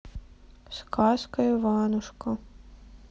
сказка иванушка